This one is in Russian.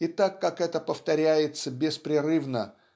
И так как это повторяется беспрерывно